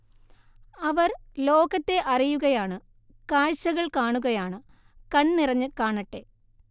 അവർ ലോകത്തെ അറിയുകയാണ് കാഴ്ചകൾ കാണുകയാണ് കൺനിറഞ്ഞ് കാണട്ടെ